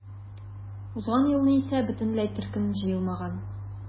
Узган елны исә бөтенләй төркем җыелмаган.